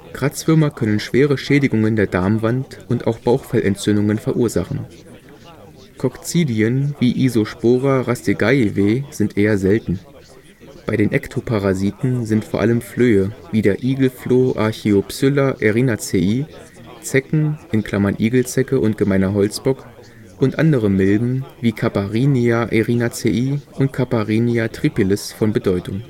Kratzwürmer können schwere Schädigungen der Darmwand und auch Bauchfellentzündungen verursachen. Kokzidien wie Isospora rastegaievae sind eher selten. Bei den Ektoparasiten sind vor allem Flöhe wie der Igelfloh Archaeopsylla erinacei, Zecken (Igelzecke und Gemeiner Holzbock) und andere Milben wie Caparinia erinacei und Caparinia tripilis von Bedeutung